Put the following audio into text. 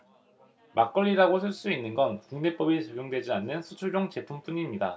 막걸리라고 쓸 수 있는 건 국내법이 적용되지 않는 수출용 제품뿐 입니다